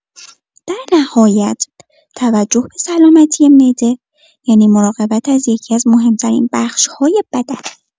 در نهایت، توجه به سلامتی معده یعنی مراقبت از یکی‌از مهم‌ترین بخش‌های بدن.